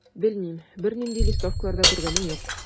Белмим, бернинди листовкалар да күргәнем юк.